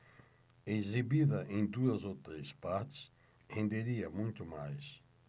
exibida em duas ou três partes renderia muito mais